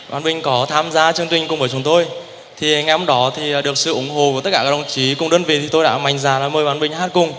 bạn bình có tham gia chương trình cùng với chúng tôi thì ngày hôm đó thì được sự ủng hộ của tất cả các đồng chí cùng đơn vị thì tôi đã mạnh dạn là mời bạn bình hát cùng